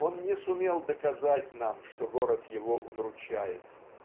Он не сумел доказать нам, что город его удручает.